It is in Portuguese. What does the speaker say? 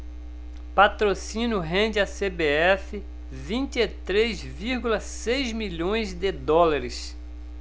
patrocínio rende à cbf vinte e três vírgula seis milhões de dólares